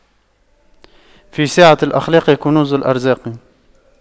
في سعة الأخلاق كنوز الأرزاق